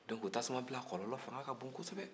dɔke tasumabila kɔlɔlɔ ka bon kɔsɛbɛ